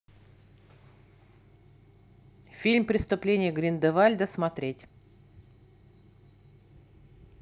фильм преступления гриндевальда смотреть